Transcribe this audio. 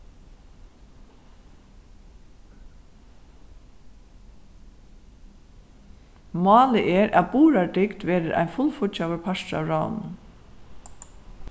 málið er at burðardygd verður ein fullfíggjaður partur av ráðunum